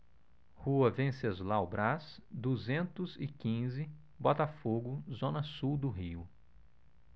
rua venceslau braz duzentos e quinze botafogo zona sul do rio